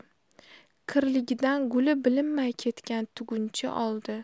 kirligidan guli bilinmay ketgan tuguncha oldi